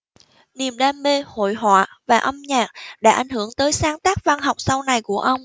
niềm đam mê hội họa và âm nhạc đã ảnh hưởng tới sáng tác văn học sau này của ông